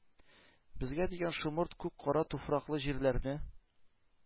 Безгә дигән шомырт күк кара туфраклы җирләрне,